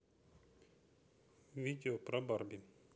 видео про барби